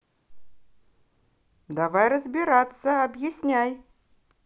давай разбираться объясняй